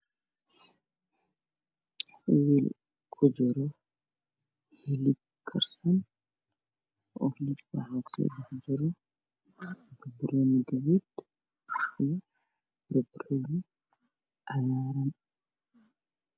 Waxaa ii muuqda cunto ku jirto weerar ka kooban hilib iyo khudaar